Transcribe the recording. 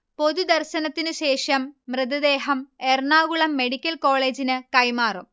പൊതുദർശനത്തിന് ശേഷം മൃതദേഹം എറണാകുളം മെഡിക്കൽ കോളേജിന് കൈമാറും